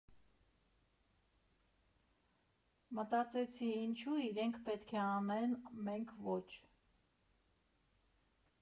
Մտածեցին՝ ինչու՞ իրենք պետք է անեն, մենք՝ ոչ։